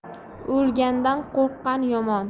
o'lgandan qo'rqqan yomon